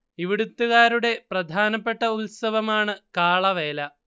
ഇവിടുത്തുകാരുടെ പ്രധാനപ്പെട്ട ഉത്സവം ആണ് കാളവേല